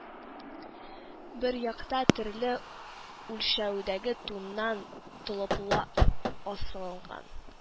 Бер якта төрле үлчәүдәге туннар, толыплар асылынган